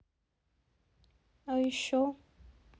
а еще